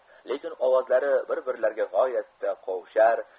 lekin ovozlari bir birlariga g'oyatda qovushar